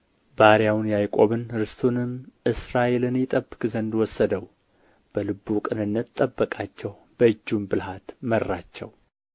ባሪያውን ያዕቆብን ርስቱንም እስራኤልን ይጠብቅ ዘንድ ወሰደው በልቡ ቅንነት ጠበቃቸው በእጁም ብልሃት መራቸው